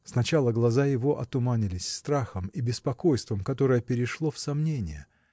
Сначала глаза его отуманились страхом и беспокойством которое перешло в сомнение.